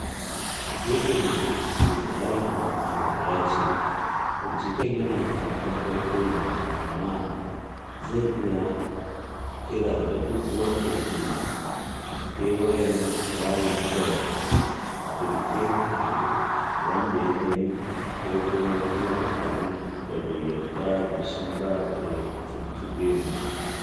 Sufeto Mai Bincike Brian O'Hagan ya ce: ‘Binciken yana matakan farko ne amma zan yi kira ga duk wanda ke kewayen Layin John a Birkenhead wanda ya gani ko kuma ya ji wani abu da bai yarda da shi ba da ya tuntuɓe mu.